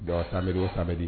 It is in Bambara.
Bon samedi o samedi